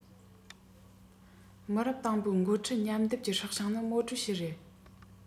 མི རབས དང པོའི འགོ ཁྲིད མཉམ སྡེབ ཀྱི སྲོག ཤིང ནི མའོ ཀྲུའུ ཞི རེད